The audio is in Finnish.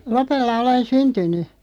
Lopella olen syntynyt